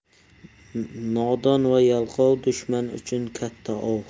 nodon va yalqov dushman uchun katta ov